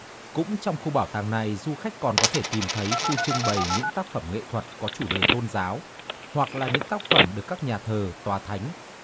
cũng trong khu bảo tàng này du khách còn có thể tìm thấy khu trưng bày những tác phẩm nghệ thuật có chủ đề tôn giáo hoặc là những tác phẩm được các nhà thờ tòa thánh